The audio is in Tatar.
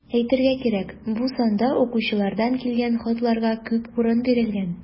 Әйтергә кирәк, бу санда укучылардан килгән хатларга күп урын бирелгән.